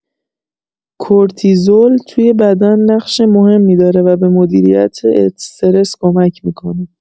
کورتیزول توی بدن نقش مهمی داره و به مدیریت استرس کمک می‌کنه.